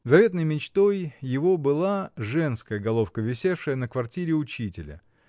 Заветной мечтой его была женская головка, висевшая на квартире учителя.